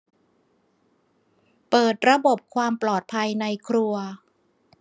เปิดระบบความปลอดภัยในครัว